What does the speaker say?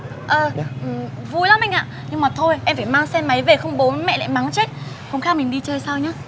à vui lắm anh ạ nhưng mà thôi em phải mang xe máy về không bố mẹ lại mắng chết hôm khác mình đi chơi sau nhá